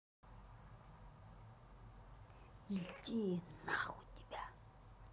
иди нахуй тебя